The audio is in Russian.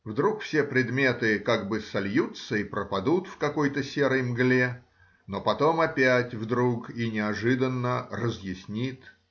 вдруг все предметы как бы сольются и пропадут в какой-то серой мгле, но потом опять вдруг и неожиданно разъяснит.